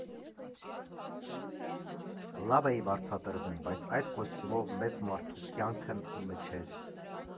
Լավ էի վարձատրվում, բայց այդ՝ կոստյումով մեծ մարդու կյանքն իմը չէր։